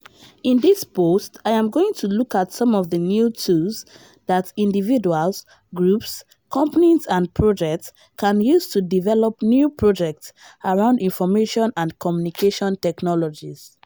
In this post, I am going to look at some of the new tools that individuals, groups, companies and governments can use to develop new projects around information and communication technologies.